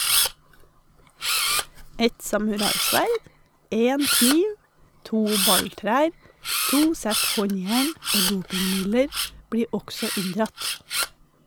Et samuraisverd, en kniv, to balltrær, to sett håndjern og dopingmidler blir også inndratt.